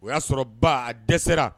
O y'a sɔrɔ ba dɛsɛ